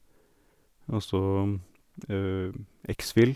Altså exphil.